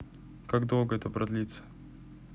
как долго это продлится